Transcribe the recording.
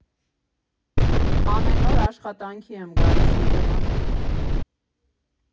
Ամեն օր աշխատանքի եմ գալիս Երևան։